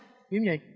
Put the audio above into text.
kiếm gì